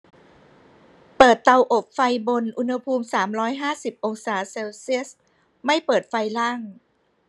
เปิดเตาอบไฟบนอุณหภูมิสามร้อยห้าสิบองศาเซลเซียสไม่เปิดไฟล่าง